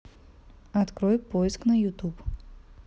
открой поиск на ютуб